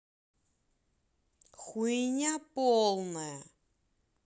хуйня полная